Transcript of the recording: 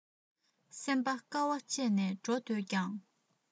སེམས པ དཀའ བ སྤྱད ནས འགྲོ འདོད ཀྱང